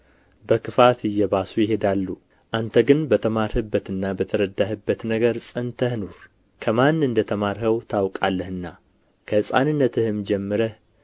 በክፋት እየባሱ ይሄዳሉ አንተ ግን በተማርህበትና በተረዳህበት ነገር ጸንተህ ኑር ከማን እንደ ተማርኸው ታውቃለህና ከሕፃንነትህም ጀምረህ